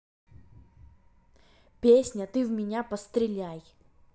песня ты в меня постреляй